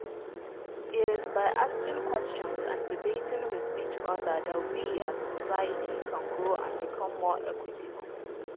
It is by asking questions and debating with each other that we, as a society, can grow and become more equitable.